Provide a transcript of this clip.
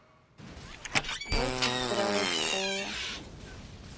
двадцать вторая школа